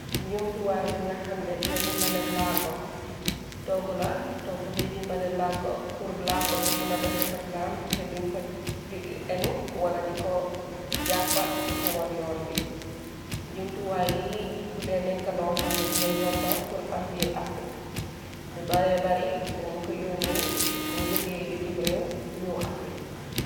Njuumtuwaay bi nga xamne dina dimbale La go, toggu la, togg bi dimbale làggo pur làggo bi muna doxe soxlaam te duñ ko enu, wala di ko jàppa di ko won yoon bi. Njuumtuwaay yi dude nekkaloo xamne dina yomba pur am biir afrik, lu bare bari dinañ ko yone mu jogee bitim réew ñuow afrik.